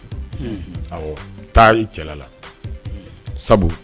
Taari cɛla la sabu